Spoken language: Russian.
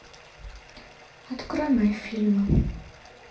открой мои фильмы